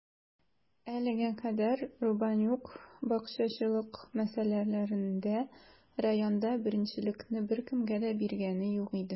Әлегә кадәр Рубанюк бакчачылык мәсьәләләрендә районда беренчелекне беркемгә дә биргәне юк иде.